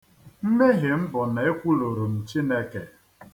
Mmehie m bụ na e kwuluru m Chineke